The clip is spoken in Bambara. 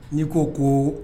N'i ko ko